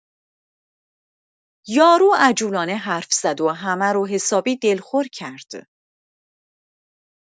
یارو عجولانه حرف زد و همه رو حسابی دلخور کرد.